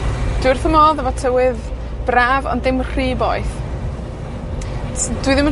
Dwi wrth fy modd efo tywydd braf, ond dim rhy boeth. Ts- dwi ddim yn